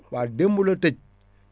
waaw démb la tëj